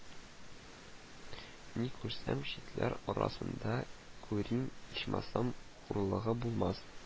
– ни күрсәм, читләр арасында күрим, ичмасам, хурлыгы булмас